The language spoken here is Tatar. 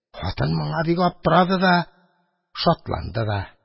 Хатын моңа бик аптырады да, шатланды да.